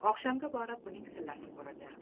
oqshomga borib uning sillasi quridi